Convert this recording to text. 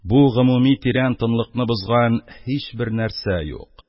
Бу гомуми тирән тынлыкны бозган һичбер нәрсә юк;